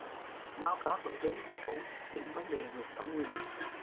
báo cáo thủ tướng chính phủ những vấn đề vượt thẩm quyền